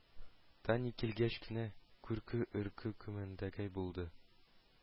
Таня килгәч кенә, курку-өркү кимегәндәй булды